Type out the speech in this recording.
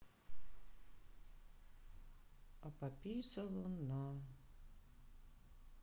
а пописал он на